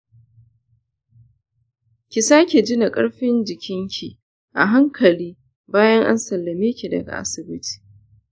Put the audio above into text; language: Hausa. ki sake gina karfin jikinki a hankali bayan an sallameki daga asibiti.